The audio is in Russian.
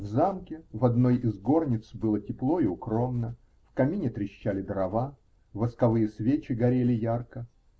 В замке, в одной из горниц, было тепло и укромно: в камине трещали дрова, восковые свечи горели ярко.